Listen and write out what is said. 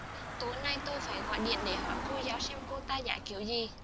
tối nay tôi phải gọi điện để hỏi cô giáo xem cô ta giải kiểu gì